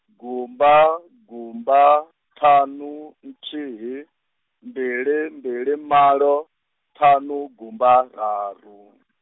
gumba, gumba, ṱhanu, nthihi, mbili mbili malo, ṱhanu gumba raru.